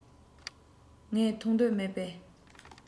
ངའི འཐུང འདོད མེད པའི